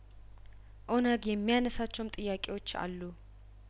ኦነግ የሚያነሳቸውም ጥያቄዎች አሉ